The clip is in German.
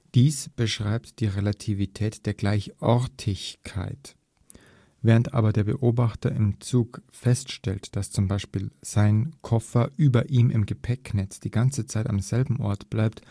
Dieses beschreibt die „ Relativität der GleichORTigkeit “: Während aber der Beobachter im Zug feststellt, dass z. B. sein Koffer über ihm im Gepäcknetz die ganze Zeit am selben Ort bleibt